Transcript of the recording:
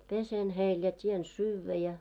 pesen heille ja teen syödä ja